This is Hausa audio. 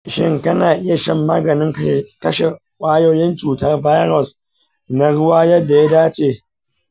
shin kana iya shan maganin kashe kwayoyin cutar virus na ruwa yadda ya dace?